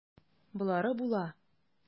Болары була.